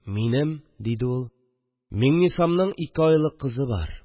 – минем, – диде ул, – миңнисамның ике айлык кызы бар